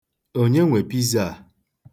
Kedụ onye nwe piza a?